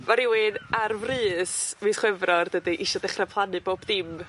ma' rywun ar frys fis Chwefror dydi isio dechra plannu bob dim